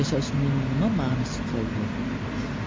nima manisi qoldi